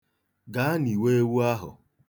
Gaa niwe ewu ahụ.